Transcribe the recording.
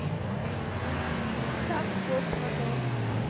так форс мажор